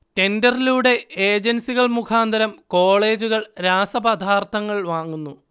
ടെൻഡറിലൂടെ ഏജൻസികൾ മുഖാന്തരം കോളേജുകൾ രാസപദാർത്ഥങ്ങൾ വാങ്ങുന്നു